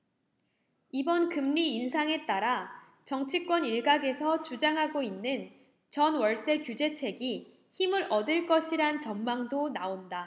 이번 금리인상에 따라 정치권 일각에서 주장하고 있는 전월세 규제책이 힘을 얻을 것이란 전망도 나온다